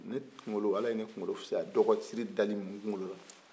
ne kunkolo ala ye ne kunkolo fisaya dɔgɔsiri dali man n kunkolo la